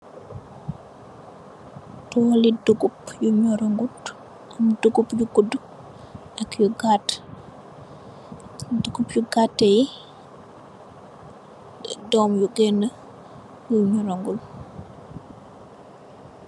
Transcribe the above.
Tooli duugub yu nyora gud duugub yu gudaa ak yu gatah duugub yu gatah yi am doom yu gena yu nyora gud.